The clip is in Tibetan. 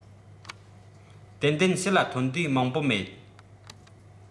ཏན ཏན ཕྱི ལ ཐོན དུས མང པོ མེད